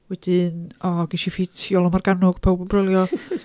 Wedyn, o ges i ffit Iola Morganwg, pawb yn brolio.